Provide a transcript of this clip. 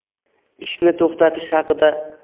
ishni to'xtatish haqida